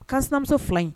Ka sinamuso fila in